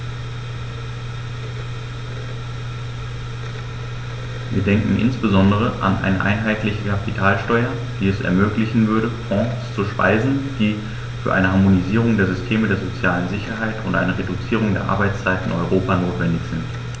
Wir denken insbesondere an eine einheitliche Kapitalsteuer, die es ermöglichen würde, Fonds zu speisen, die für eine Harmonisierung der Systeme der sozialen Sicherheit und eine Reduzierung der Arbeitszeit in Europa notwendig sind.